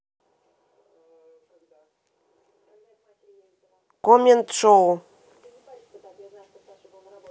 комент шоу